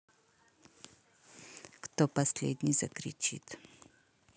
кто последний закричит